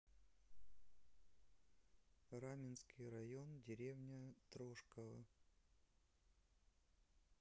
раменский район деревня трошково